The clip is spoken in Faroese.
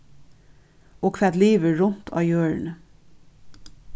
og hvat livir runt á jørðini